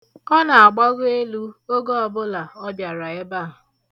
Ọ na-agbago elu oge ọbụla ọ bịara ebe a.